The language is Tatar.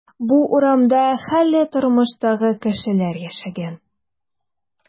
Бу урамда хәлле тормыштагы кешеләр яшәгән.